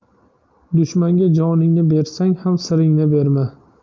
dushmanga joningni bersang ham siringni berma